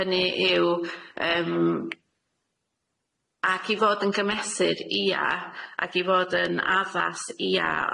hynny yw yym ac i fod yn gymesur ia ac i fod yn addas ia,